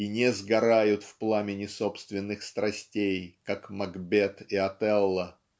и не сгорают в пламени собственных страстей как Макбет и Отелло